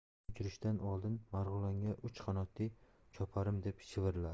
uni uchirishdan oldin marg'ilonga uch qanotli choparim deb shivirladi